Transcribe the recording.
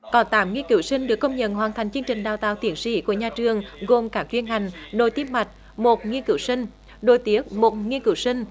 có tám nghiên cứu sinh được công nhận hoàn thành chương trình đào tạo tiến sĩ của nhà trường gồm các chuyên ngành nội tim mạch một nghiên cứu sinh nội tiết một nghiên cứu sinh